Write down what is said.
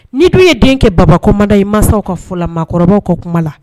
Ni dun ye denkɛ kɛ babako mada i mansaw ka fɔ maakɔrɔba kɔ kuma la